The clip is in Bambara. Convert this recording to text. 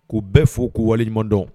K'u bɛɛ fo u k'u waleɲumandɔn